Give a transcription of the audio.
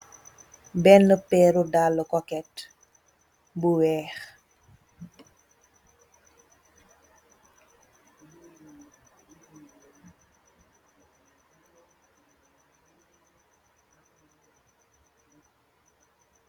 Benna pééru dalli koket bu wèèx .